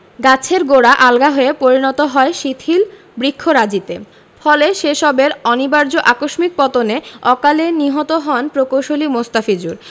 গাছের গোড়া আলগা হয়ে পরিণত হয় শিথিল বৃক্ষরাজিতে ফলে সে সবের অনিবার্য আকস্মিক পতনে অকালে নিহত হন প্রকৌশলী মোস্তাফিজুর